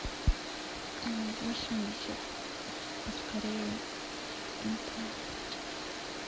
восемьдесят поскорее не помню